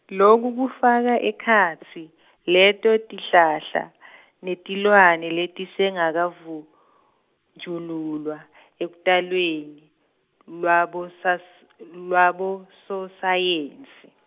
loku kufaka ekhatsi, leto tihlahla , netilwane letisengakavunjululwa, ekutalweni, lwabosas- lwabososayensi.